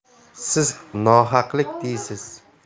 siz nohaqlik deysiz